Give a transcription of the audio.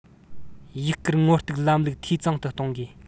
ཡིག སྐུར ངོ གཏུག ལམ ལུགས འཐུས ཚང དུ གཏོང དགོས